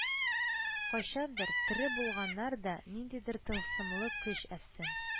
Кайчандыр тере булганнар да ниндидер тылсымлы көч әфсен